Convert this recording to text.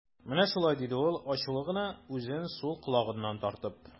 Менә шулай, - диде ул ачулы гына, үзен сул колагыннан тартып.